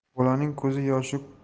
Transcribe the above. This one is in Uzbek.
bolaning ko'zi yoshi